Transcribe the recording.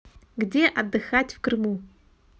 где отдыхать в крыму